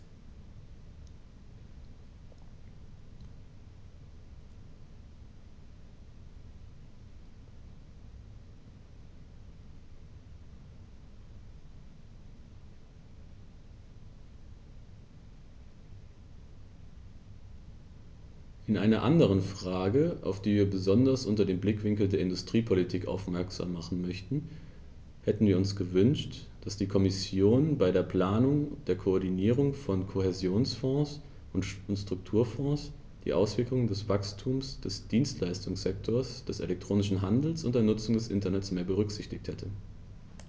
In einer anderen Frage, auf die wir besonders unter dem Blickwinkel der Industriepolitik aufmerksam machen möchten, hätten wir uns gewünscht, dass die Kommission bei der Planung der Koordinierung von Kohäsionsfonds und Strukturfonds die Auswirkungen des Wachstums des Dienstleistungssektors, des elektronischen Handels und der Nutzung des Internets mehr berücksichtigt hätte.